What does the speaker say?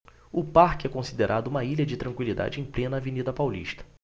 o parque é considerado uma ilha de tranquilidade em plena avenida paulista